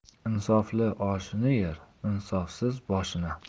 insofli oshini yer insofsiz boshini